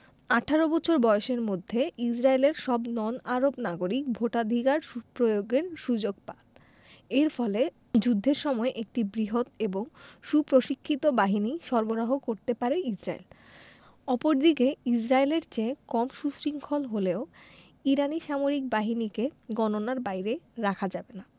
১৮ বছর বয়সের মধ্যে ইসরায়েলের সব নন আরব নাগরিক ভোটাধিকার প্রয়োগের সুযোগ পান এর ফলে যুদ্ধের সময় একটি বৃহৎ এবং সুপ্রশিক্ষিত বাহিনী সরবরাহ করতে পারে ইসরায়েল অপরদিকে ইসরায়েলের চেয়ে কম সুশৃঙ্খল হলেও ইরানি সামরিক বাহিনীকে গণনার বাইরে রাখা যাবে না